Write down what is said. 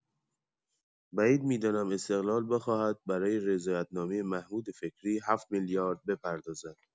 بعید می‌دانم استقلال بخواهد برای رضایت‌نامه محمود فکری ۷ میلیارد بپردازد!